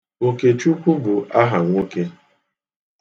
Okechukwu bụ aha nwoke.